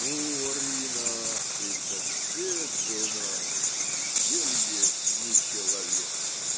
- Ну, Арина, и сосед же у нас зелье, не человек.